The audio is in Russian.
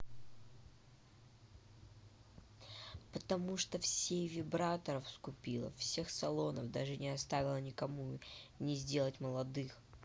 потому что все вибраторов скупила всех салонов даже не оставил никому не сделать молодых